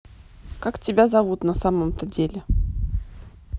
как тебя зовут на самом то деле